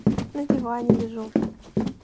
на диване лежу